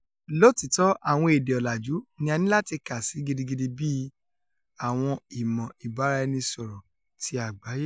Lóòtítọ́, àwọn èdè ọ̀làjú ni a nílatí kàsí gidigidi bíi ''àwọn ìmọ̀ ìbáraẹnisọ̀rọ̀ ti àgbáyé''.